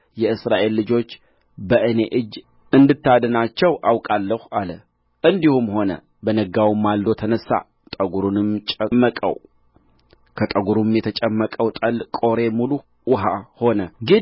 የእስራኤልን ልጆች በእኔ እጅ እንድታድናቸው አውቃለሁ አለ እንዲሁም ሆነ በነጋውም ማልዶ ተነሣ ጠጕሩንም ጨመቀው ከጠጕሩም የተጨመቀው ጠል ቆሬ ሙሉ ውኃ ሆነ